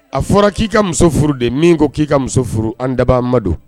A fɔra k'i ka muso furu de min ko k'i ka muso furu an daba amadu don